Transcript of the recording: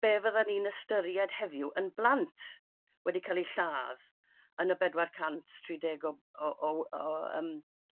be' fyddan ni'n ystyried heddiw yn blant wedi ca'l 'u lladd yn y bedwar cant tri deg o o o o yym